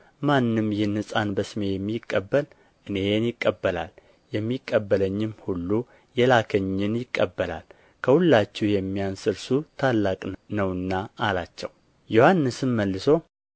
ማንም ይህን ሕፃን በስሜ የሚቀበል እኔን ይቀበላል የሚቀበለኝም ሁሉ የላከኝን ይቀበላል ከሁላችሁ የሚያንስ እርሱ ታላቅ ነውና አላቸው ዮሐንስም መልሶ